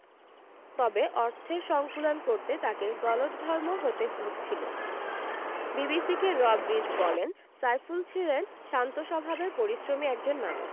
তবে অর্থের সংকুলান করতে তাঁকে গলদঘর্ম হতে হচ্ছিল বিবিসিকে রব রিজ বলেন সাইফুল ছিলেন শান্ত স্বভাবের পরিশ্রমী একজন মানুষ